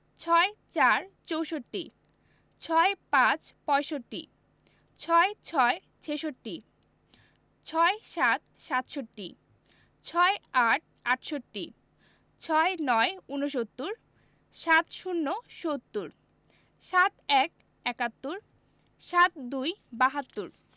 ৬৪ – চৌষট্টি ৬৫ – পয়ষট্টি ৬৬ – ছেষট্টি ৬৭ – সাতষট্টি ৬৮ – আটষট্টি ৬৯ – ঊনসত্তর ৭০ - সত্তর ৭১ – একাত্তর ৭২ – বাহাত্তর